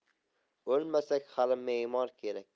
o'lmasak hali memor kerak